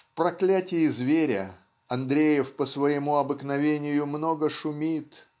В "Проклятии зверя" Андреев по своему обыкновению много шумит